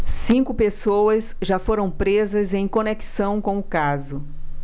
cinco pessoas já foram presas em conexão com o caso